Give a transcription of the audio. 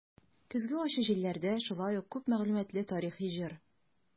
"көзге ачы җилләрдә" шулай ук күп мәгълүматлы тарихи җыр.